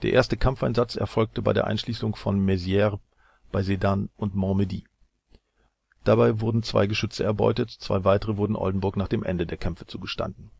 erste Kampfeinsatz erfolgte bei der Einschließung von Mézières bei Sedan und Montmedy. Dabei wurden zwei Geschütze erbeutet. Zwei weitere wurden Oldenburg nach Ende der Kämpfe zugestanden